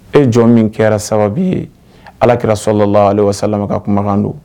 E jɔn min kɛra sababu ye Ala kira sɔlalahu alehi wasalama ka kumakan